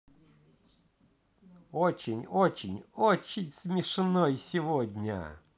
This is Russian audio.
очень очень очень смешной сегодня